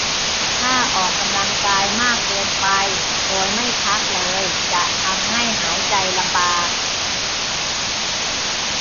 ถ้าออกกำลังกายมากเกินไปโดยไม่พักเลยจะทำให้หายใจลำบาก